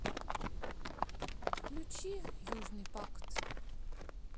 включи южный пакт